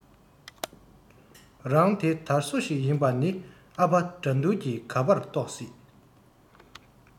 རང དེ དར སོ ཞིག ཡིན པ ནི ཨ ཕ དགྲ འདུལ གི ག པར རྟོག སྲིད